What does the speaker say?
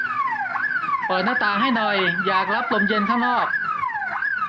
เปิดหน้าต่างให้หน่อยอยากรับลมเย็นข้างนอก